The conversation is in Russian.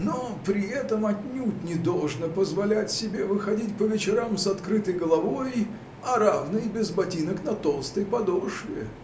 Но при этом отнюдь не должно позволять себе выходить по вечерам с открытой головой, а равно и без ботинок на толстой подошве.